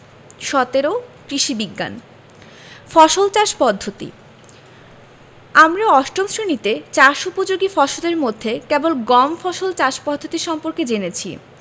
১৭ কৃষি বিজ্ঞান ফসল চাষ পদ্ধতি আমরা অষ্টম শ্রেণিতে চাষ উপযোগী ফসলের মধ্যে কেবল গম ফসল চাষ পদ্ধতি সম্পর্কে জেনেছি